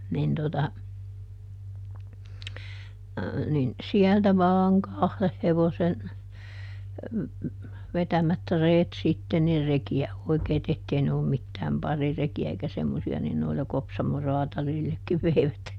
niin tuota niin sieltä vain kahden hevosen vetämät reet sitten niin rekiä oikeita että ei ne ollut mitään parirekiä eikä semmoisia niin noilla Kopsamon kraatarillekin veivät